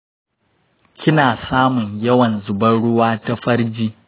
kina samun yawan zuban ruwa ta farji?